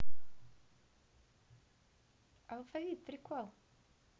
алфавит прикол